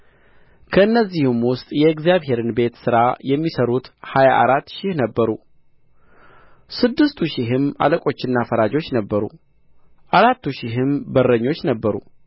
ከእነዚህም ውስጥ የእግዚአብሔርን ቤት ሥራ የሚያሠሩት ሀያ አራት ሺህ ነበሩ ስድስቱ ሺህም አለቆችና ፈራጆች ነበሩ አራቱ ሺህም በረኞች ነበሩ